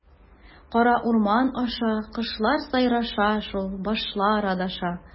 Кара урман аша, кошлар сайраша шул, башлар адаша.